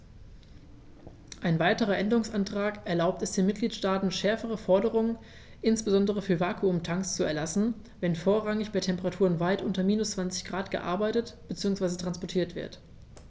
Ein weiterer Änderungsantrag erlaubt es den Mitgliedstaaten, schärfere Forderungen, insbesondere für Vakuumtanks, zu erlassen, wenn vorrangig bei Temperaturen weit unter minus 20º C gearbeitet bzw. transportiert wird.